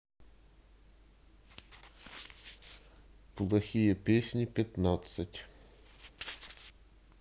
плохие песни пятнадцать